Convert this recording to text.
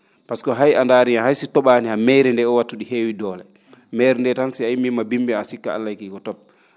pasque hay a ndaari hay si to?aani han meyre ndee oo wattu ?i heewi doole meyre ndee ran si a immiima e bimmbi a sikkat Allayo kii ko to?